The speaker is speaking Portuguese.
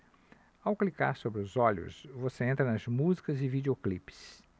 ao clicar sobre os olhos você entra nas músicas e videoclipes